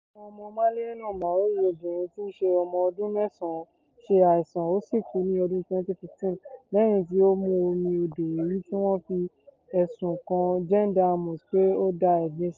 Ọmọ-ọmọ Malineo Moahi obìnrin tí í ṣe ọmọ ọdún mẹ́sàn-án ṣe àìsàn ó sì kú ní ọdún 2015 lẹ́yìn tí ó mu omi odò èyí tí wọ́n fi ẹ̀sùn kan Gem Diamonds pé ó ń dá ẹ̀gbin sí.